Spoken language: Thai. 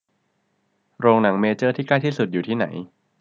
โรงหนังเมเจอร์ที่ใกล้ที่สุดอยู่ที่ไหน